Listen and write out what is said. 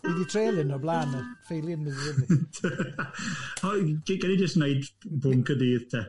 Wi di treial hyn o'r blaen o'r ffeilie ym mynydd i. O, gei di jyst wneud bwnc y dydd, te.